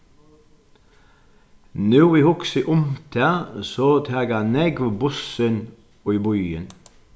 nú eg hugsi um tað so taka nógv bussin í býin